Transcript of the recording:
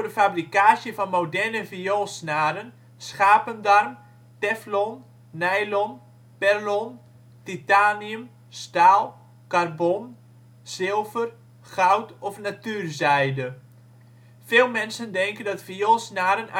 fabricage van moderne vioolsnaren schapendarm, teflon, nylon, perlon, titanium, staal, carbon, zilver, goud of natuurzijde. Veel mensen denken dat vioolsnaren